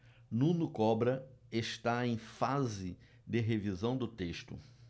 nuno cobra está em fase de revisão do texto